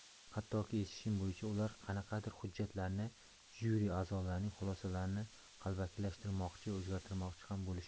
hattoki eshitishim bo'yicha ular qanaqadir hujjatlarni jyuri a'zolarining xulosalarini qalbakilashtirmoqchi o'zgartirmoqchi ham bo'lishgan